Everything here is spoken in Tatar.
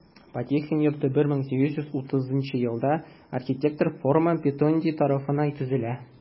Потехин йорты 1830 елда архитектор Фома Петонди тарафыннан төзелә.